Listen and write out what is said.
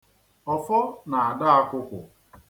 Ọfọ na-ada akwụkwụ